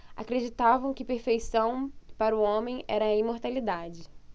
acreditavam que perfeição para o homem era a imortalidade